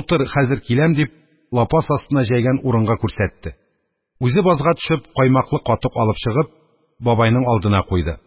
«Утыр, хәзер киләм», – дип, лапас астына җәйгән урынга күрсәтте; үзе базга төшеп, каймаклы катык алып чыгып, бабайның алдына куйды.